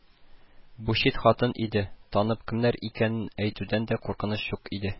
Бу чит хатын иде, танып кемнәр икәнен әйтүдән дә куркыныч юк иде